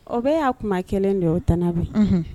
O bɛɛ y'a kuma kelen de ye o tanti Abi